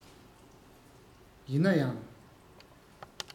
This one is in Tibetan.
ཡིན ན ཡང